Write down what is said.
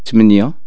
تمنية